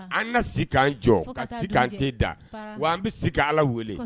An ka si k' jɔ ka si an t da wa an bɛ se ka ala wele